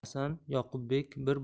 hasan yoqubbek bir